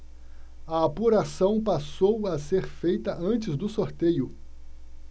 a apuração passou a ser feita antes do sorteio